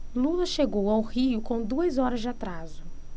lula chegou ao rio com duas horas de atraso